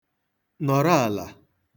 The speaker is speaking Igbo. nọ̀rọ àlà